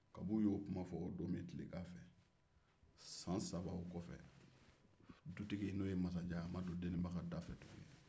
kabi u ye o kuma fɔ o don min tilegan fɛ san saba o kɔfɛ dutigi n'o ye masajan ye a ma don deninba ka da fɛ tugu